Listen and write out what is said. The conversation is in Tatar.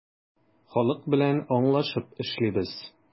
Халык белән аңлашып эшлибез.